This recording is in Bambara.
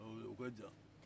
o ka jan